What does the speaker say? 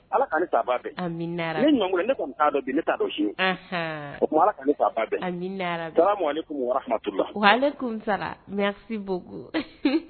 Ala taa ba ne ne ta ala kun ale sara mɛ